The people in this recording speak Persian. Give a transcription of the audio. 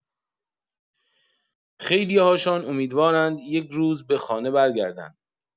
خیلی‌هاشان امیدوارند یک روز به خانه برگردند.